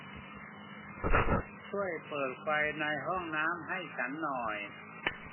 ช่วยเปิดไฟในห้องน้ำให้ฉันหน่อย